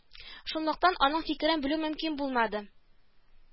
Шунлыктан аның фикерен белү мөмкин булмады